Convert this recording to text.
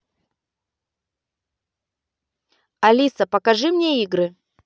алиса покажи мне игры